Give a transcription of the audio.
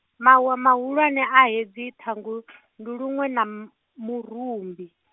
mawa mahulwane a hedzi ṱhangu , ndi luṅwe na m- murumbi.